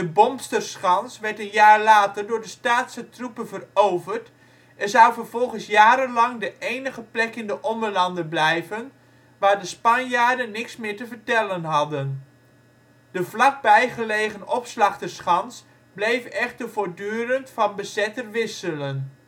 Bomsterschans werd een jaar later door de Staatse troepen veroverd en zou vervolgens jarenlang de enige plek in de Ommelanden blijven waar de Spanjaarden niks meer te vertellen hadden. De vlakbij gelegen Opslachterschans bleef echter voortdurend van bezetter wisselen